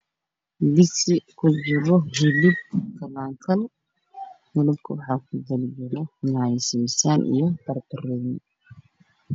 Digsi ku jiro kalaan kal